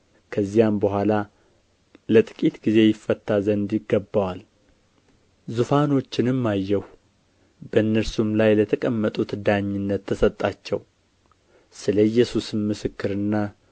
ከዚያም በኋላ ለጥቂት ጊዜ ይፈታ ዘንድ ይገባዋል ዙፋኖችንም አየሁ በእነርሱም ላይ ለተቀመጡት ዳኝነት ተሰጣቸው ስለ ኢየሱስም ምስክርና